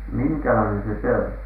minkälainen se se oli